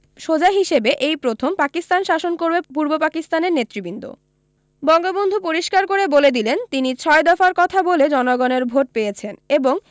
সোজা হিসেবে এই প্রথম পাকিস্তান শাসন করবে পূর্ব পাকিস্তানের নেতৃবৃন্দ বঙ্গবন্ধু পরিষ্কার করে বলে দিলেন তিনি ছয় দফার কথা বলে জনগণের ভোট পেয়েছেন এবং